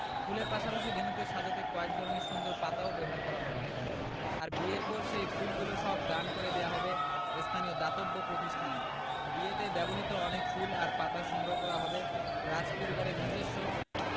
ফুলের পাশাপাশি ভেন্যু সাজাতে কয়েক ধরনের সুন্দর পাতাও ব্যবহার করা হবে আর বিয়ের পর সেই ফুলগুলো সব দান করে দেওয়া হবে স্থানীয় দাতব্য প্রতিষ্ঠানে বিয়েতে ব্যবহৃত অনেক ফুল আর পাতা সংগ্রহ করা হবে রাজপরিবারের নিজেস্ব